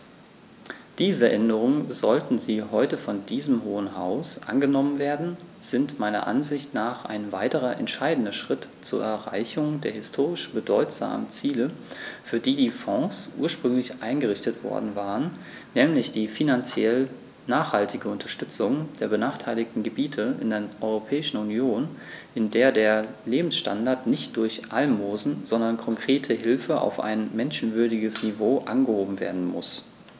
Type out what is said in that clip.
Diese Änderungen, sollten sie heute von diesem Hohen Haus angenommen werden, sind meiner Ansicht nach ein weiterer entscheidender Schritt zur Erreichung der historisch bedeutsamen Ziele, für die die Fonds ursprünglich eingerichtet worden waren, nämlich die finanziell nachhaltige Unterstützung der benachteiligten Gebiete in der Europäischen Union, in der der Lebensstandard nicht durch Almosen, sondern konkrete Hilfe auf ein menschenwürdiges Niveau angehoben werden muss.